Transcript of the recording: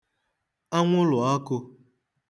anwụlụ̀ ọkụ̄